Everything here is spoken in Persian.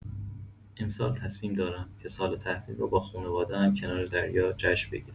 امسال تصمیم دارم که سال‌تحویل رو با خونواده‌م کنار دریا جشن بگیرم.